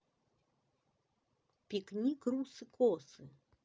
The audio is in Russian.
пикник русы косы